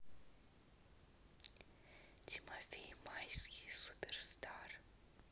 тимофей майский суперстар